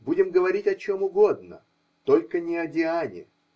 Будем говорить о чем угодно, только не о Диане.